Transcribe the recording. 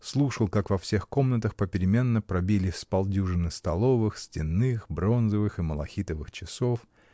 слушал, как во всех комнатах попеременно пробили с полдюжины столовых, стенных, бронзовых и малахитовых часов